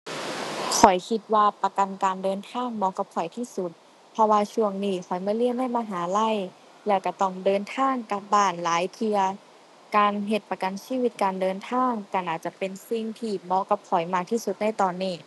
ข้อยคิดว่าประกันการเดินทางเหมาะกับข้อยที่สุด เพราะว่าช่วงนี้ข้อยมาเรียนในมหาลัย แล้วก็ต้องเดินทางกลับบ้านหลายเทื่อ การเฮ็ดประกันชีวิตการเดินทาง ก็น่าจะเป็นสิ่งที่เหมาะกับข้อยมากที่สุดในตอนนี้